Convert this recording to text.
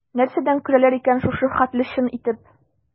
Нәрсәдән көләләр икән шушы хәтле чын итеп?